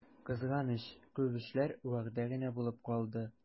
Кызганыч, күп эшләр вәгъдә генә булып калды.